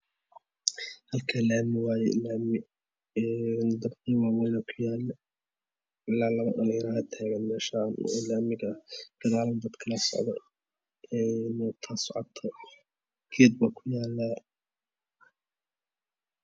Halkaan laami wayee laami oo kuyaala weedow ilaa lapa dhaliyaraa tagan laamiga gadaalna dadklaa socdaan mootaa socto geedbaa ku yaalo